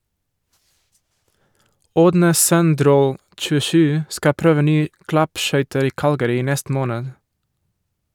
Ådne Søndrål (27) skal prøve nye klappskøyter i Calgary i neste måned.